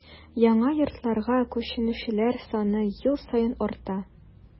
Яңа йортларга күченүчеләр саны ел саен арта.